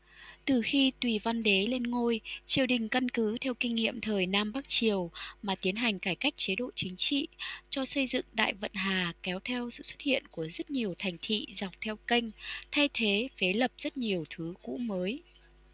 từ khi tùy văn đế lên ngôi triều đình căn cứ theo kinh nghiệm thời nam bắc triều mà tiến hành cải cách chế độ chính trị cho xây dựng đại vận hà kéo theo sự xuất hiện của rất nhiều thành thị dọc theo kênh thay thế phế lập rất nhiều thứ cũ mới